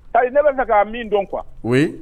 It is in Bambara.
Ta i ne k'a min don qu